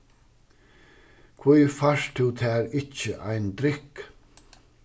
hví fært tú tær ikki ein drykk